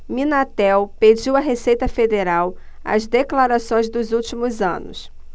minatel pediu à receita federal as declarações dos últimos anos